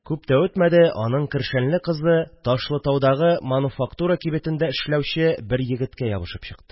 Күп тә үтмәде, аның кершәнле кызы Ташлытаудагы мануфактура кибетендә эшләүче бер егеткә ябышып чыкты